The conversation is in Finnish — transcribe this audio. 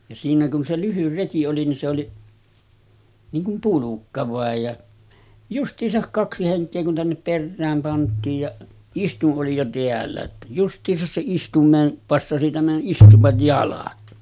ja siinä kun se lyhyt reki oli niin se oli niin kuin pulkka vain ja justiinsa kaksi henkeä kun tänne perään pantiin ja istuin oli jo täällä että justiinsa se istuimeen passasi tämän istuvan jalat